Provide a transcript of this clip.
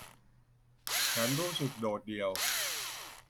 ฉันรู้สึกโดดเดี่ยว